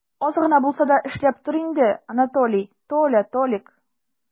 Аз гына булса да эшләп тор инде, Анатолий, Толя, Толик!